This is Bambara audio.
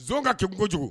Son ka kɛ kojugu